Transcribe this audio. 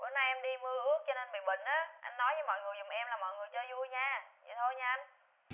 bữa nay em đi mưa ướt cho nên bị bệnh á anh nói với mọi người giùm em là mọi người chơi vui nha anh vậy thôi nha anh